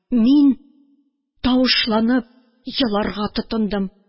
Мин тавышланып еларга тотындым